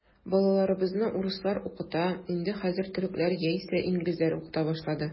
Балаларыбызны урыслар укыта, инде хәзер төрекләр яисә инглизләр укыта башлады.